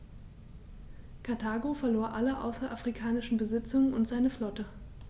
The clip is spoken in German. Karthago verlor alle außerafrikanischen Besitzungen und seine Flotte.